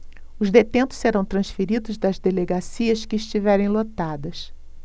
os detentos serão transferidos das delegacias que estiverem lotadas